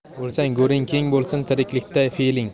o'lsang go'ring keng bo'lsin tiriklikda fe'ling